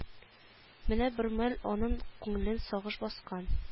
Менә бермәл аның күңелен сагыш баскан